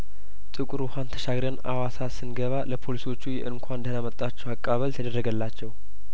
ጥቁር ውሀን ተሻግረን አዋሳ ስንገባ ለፖሊሶቹ የእንኳን ደህና መጣችሁ አቀባበል ተደረገላቸው